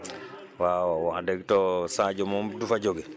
waaw waaw wax dëgg too Sadio moom du fa jóge